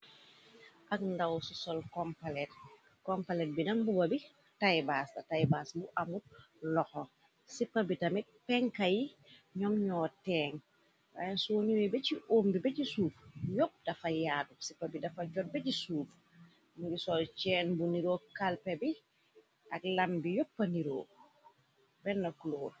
ak ndaw sisol kompalet bi nambuba bi taybaas ta taybaas bu amu loxo sipa bi dami penka yi ñoom ñoo teen ran suuñuy beci um bi beci suuf yopp dafa yaatu sipa bi dafa jot beci suuf ngi sol cenn bu niroo kalpe bi ak lam bi yóppa n 1 clor